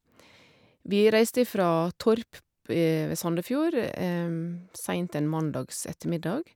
Vi reiste ifra Torp p ved Sandefjord seint en mandags ettermiddag.